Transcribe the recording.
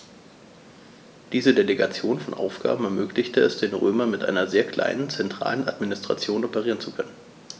Diese Delegation von Aufgaben ermöglichte es den Römern, mit einer sehr kleinen zentralen Administration operieren zu können.